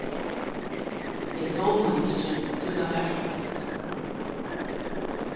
eg sovnaði ikki tí tað var so heitt